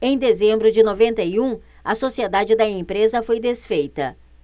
em dezembro de noventa e um a sociedade da empresa foi desfeita